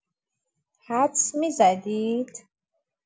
حدس می‌زدید؟!